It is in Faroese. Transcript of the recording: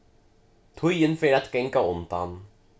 tíðin fer at ganga undan